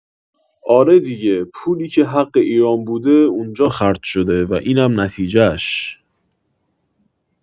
آره دیگه پولی که حق ایران بوده اونجا خرج شده و اینم نتیجش